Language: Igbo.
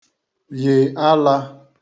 yị̀ alā